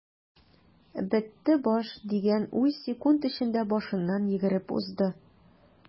"бетте баш” дигән уй секунд эчендә башыннан йөгереп узды.